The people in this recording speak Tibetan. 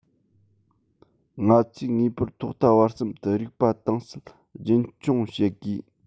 ང ཚོས ངེས པར ཐོག མཐའ བར གསུམ དུ རིག པ དྭངས གསལ རྒྱུན འཁྱོངས བྱེད དགོས